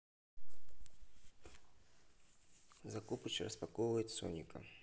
закупыч распаковывает соника